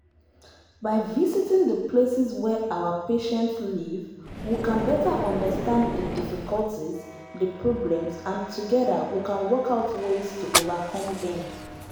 By visiting the places where our patients live we can better understand the difficulties, the problems, and together we can work out ways to overcome them.